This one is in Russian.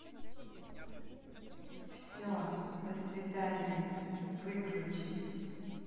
все до свидания выключись